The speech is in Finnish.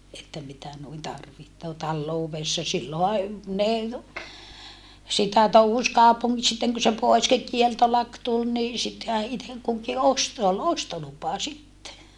että mitä noin tarvitsee taloudessa silloinhan ne sitä touhusi - sitten kun se pois - kieltolaki tuli niin sittenhän itse kukin osti se oli ostolupa sitten